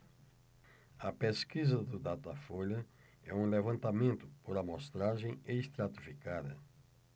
a pesquisa do datafolha é um levantamento por amostragem estratificada